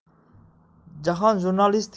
jahon jurnalistikasida ikki